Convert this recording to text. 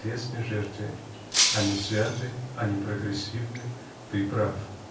крестной жертве -- они святы, они прогрессивны, ты прав.